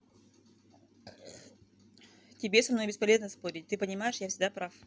тебе со мной бесполезно спорить ты понимаешь я всегда прав